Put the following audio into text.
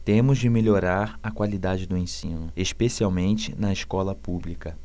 temos de melhorar a qualidade do ensino especialmente na escola pública